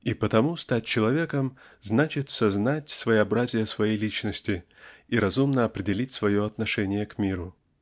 и потому стать человеком значит сознать своеобразие своей личности и разумно определить свое отношение к миру.